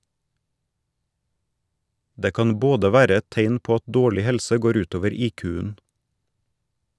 Det kan både være et tegn på at dårlig helse går utover IQ-en.